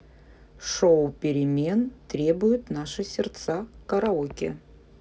шоу перемен требуют наши сердца караоке